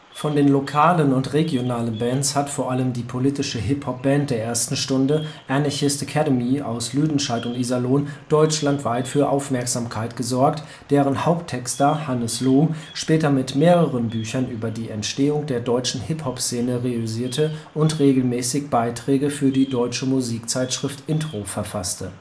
Von den lokalen und regionalen Bands hat vor allem die politische Hip-Hop-Band der ersten Stunde Anarchist Academy aus Lüdenscheid und Iserlohn deutschlandweit für Aufmerksamkeit gesorgt, deren Haupttexter Hannes Loh später mit mehreren Büchern über die Entstehung der deutschen Hip-Hop-Szene reüssierte und regelmäßig Beiträge für die deutsche Musikzeitschrift Intro verfasste